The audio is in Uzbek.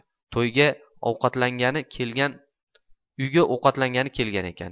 uyga ovqatlangani kelgan ekan